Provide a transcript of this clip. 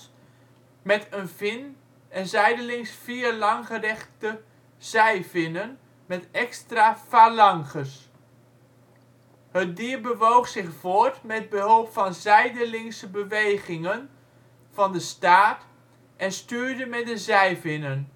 vin en zijdelings vier langgerekte zijvinnen met extra phalanges. Het dier bewoog zich voort met behulp van zijdelingse bewegingen van de staart en stuurde met de zijvinnen